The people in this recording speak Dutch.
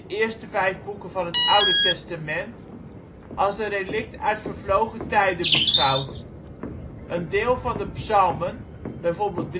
eerste vijf boeken van het Oude Testament, als een relict uit vervlogen tijden beschouwd. Een deel van de psalmen (bijvoorbeeld